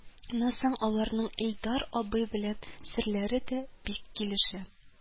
Нан соң аларның илдар абый белән серләре дә бик килешә